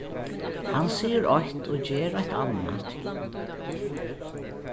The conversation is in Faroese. hann sigur eitt og ger eitt annað